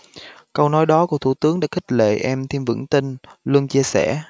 câu nói đó của thủ tướng đã khích lệ em thêm vững tin luân chia sẻ